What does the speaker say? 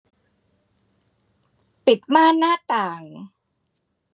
ปิดม่านหน้าต่าง